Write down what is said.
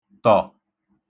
-tọ̀